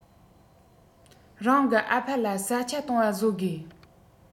རང གི ཨ ཕ ལ ས ཆ སྟོང པ བཟོ དགོས